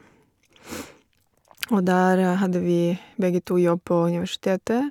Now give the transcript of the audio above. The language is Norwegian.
Og der hadde vi begge to jobb på universitetet.